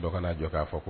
Dɔ kana' jɔ k'a fɔ